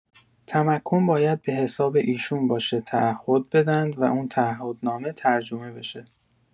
تمکن باید به‌حساب ایشون باشه تعهد بدند و اون تعهدنامه ترجمه بشه.